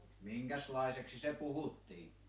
minkäslaiseksi se puhuttiin